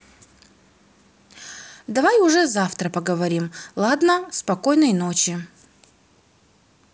давай уже завтра поговорим ладно спокойной ночи